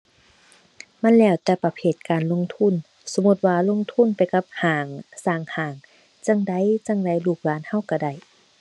มันแล้วแต่ประเภทการลงทุน สมมุติว่าลงทุนไปกับห้าง สร้างห้าง จั่งใดจั่งใดลูกหลานเราเราได้